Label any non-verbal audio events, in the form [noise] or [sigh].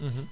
[hesitation] [hesitation]